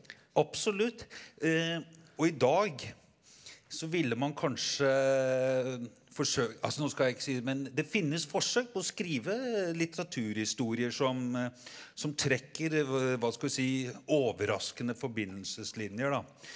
absolutt og i dag så ville man kanskje altså nå skal jeg ikke si men det finnes forsøk på å skrive litteraturhistorier som som trekker hva skal vi si overraskende forbindelseslinjer da.